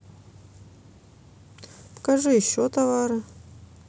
покажи еще товары